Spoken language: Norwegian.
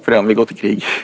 fordi han vil gå til krig.